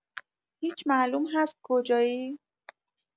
هیچ معلوم هست کجایی؟